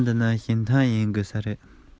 ཕྱི རོལ དུ ལྕགས ཐག འཐེན པའི སིང སྒྲ དང